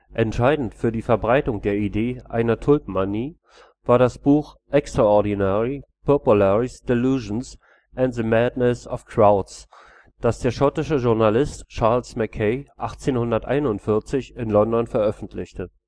Entscheidend für die Verbreitung der Idee einer Tulpenmanie war das Buch Extraordinary Popular Delusions and the Madness of Crowds, das der schottische Journalist Charles Mackay 1841 in London veröffentlichte